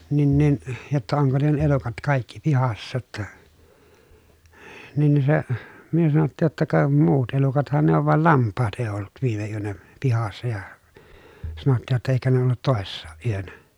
niin niin jotta onko ne elukat kaikki pihassa jotta niin niin se me sanottiin jotta ka muut elukathan ne on vaan lampaat ei ollut viime yönä pihassa ja sanottiin jotta eikä ne ollut toissakaan yönä